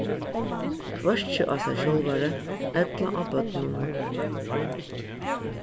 hvørki á sær sjálvari ella á børnunum